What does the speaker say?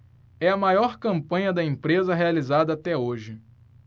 é a maior campanha da empresa realizada até hoje